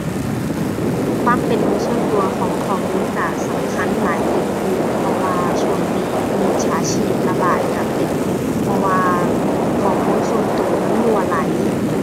ความเป็นส่วนตัวของข้อมูลก็สำคัญหลายเติบอยู่ เพราะว่าช่วงนี้มิจฉาชีพระบาดก็เป็น เพราะว่า ข้อมูลส่วนก็มันรั่วไหล